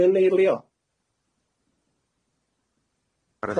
Rwy'n eilio.